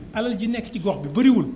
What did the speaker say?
alal ji nekk ci gox bi bëriwul